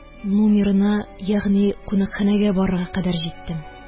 Нумирына, ягъни кунакханәгә барырга кадәр җиттем.